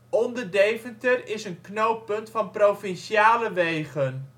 onder Deventer, en is een knooppunt van provinciale wegen